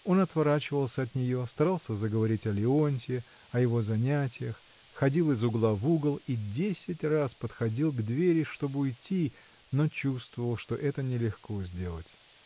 Он отворачивался от нее, старался заговорить о Леонтье, о его занятиях, ходил из угла в угол и десять раз подходил к двери, чтоб уйти, но чувствовал, что это нелегко сделать.